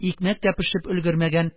Икмәк тә пешеп өлгермәгән;